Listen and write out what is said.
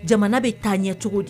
Jamana bɛ taa ɲɛ cogo di?